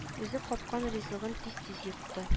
Үзе капкан ризыгын тиз-тиз йотты